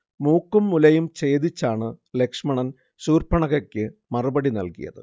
മൂക്കും മുലയും ച്ഛേദിച്ചാണ് ലക്ഷ്മണൻ ശൂർപണഖയ്ക്ക് മറുപടി നൽകിയത്